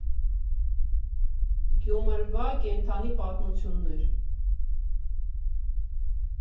Գյումրվա կենդանի պատմություններ։